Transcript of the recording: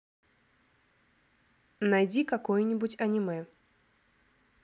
найди какое нибудь аниме